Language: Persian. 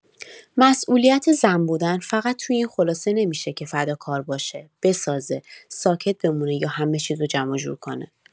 مسئولیت زن بودن فقط توی این خلاصه نمی‌شه که فداکار باشه، بسازه، ساکت بمونه یا همه‌چیز رو جمع‌وجور کنه.